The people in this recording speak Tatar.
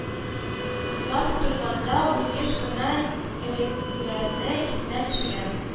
Лап утырганда ул еш кына элеккеләрне исенә төшерә